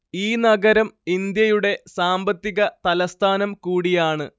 ഈ നഗരം ഇന്ത്യയുടെ സാമ്പത്തിക തലസ്ഥാനം കൂടിയാണ്‌